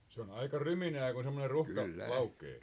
se on aika ryminää kun semmoinen ruuhka laukeaa